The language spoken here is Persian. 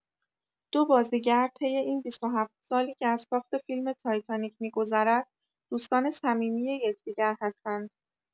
دو بازیگر طی این ۲۷ سالی که از ساخت فیلم «تایتانیک» می‌گذرد، دوستان صمیمی یکدیگر هستند.